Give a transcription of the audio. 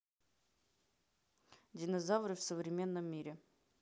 динозавры в современном мире